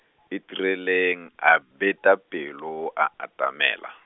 itireleng a beta pelo a atamela.